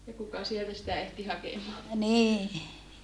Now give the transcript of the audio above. ja kuka sieltä sitä ehti hakemaan